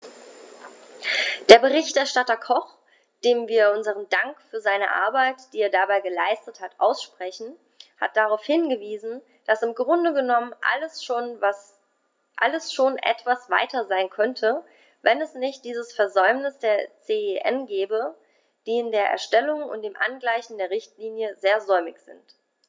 Der Berichterstatter Koch, dem wir unseren Dank für seine Arbeit, die er dabei geleistet hat, aussprechen, hat darauf hingewiesen, dass im Grunde genommen alles schon etwas weiter sein könnte, wenn es nicht dieses Versäumnis der CEN gäbe, die in der Erstellung und dem Angleichen der Richtlinie sehr säumig sind.